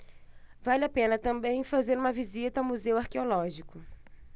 vale a pena também fazer uma visita ao museu arqueológico